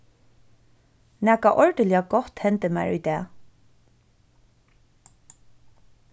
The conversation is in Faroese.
nakað ordiliga gott hendi mær í dag